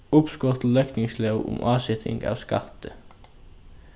uppskot til løgtingslóg um áseting av skatti